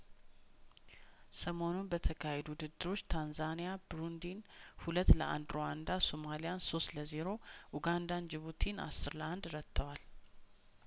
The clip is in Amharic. ሰሞኑን በተካሄዱ ውድድሮች ታንዛኒያ ብሩንዲን ሁለት ለአንድ ሩዋንዳ ሶማሊያን ሶስት ለዜሮ ኡጋንዳን ጅቡቲን አስር ለአንድ ረትተዋል